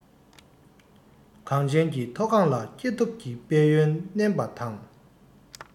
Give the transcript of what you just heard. གངས ཅན གྱི མཐོ སྒང ལ སྐྱེ སྟོབས ཀྱི དཔལ ཡོན བསྣན པ དང